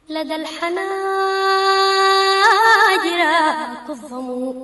Tiledi wajira